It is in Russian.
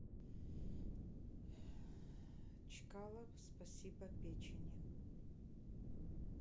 чкалов спасибо печени